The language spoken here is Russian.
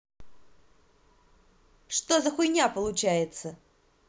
что за хуйня получается